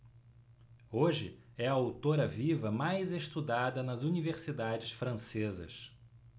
hoje é a autora viva mais estudada nas universidades francesas